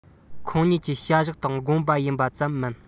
ཁོང ཉིད ཀྱི བྱ གཞག དང དགོངས པ ཡིན པ ཙམ མིན